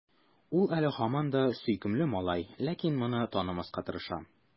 Ул әле һаман да сөйкемле малай, ләкин моны танымаска тырыша.